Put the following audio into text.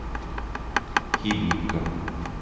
хабибка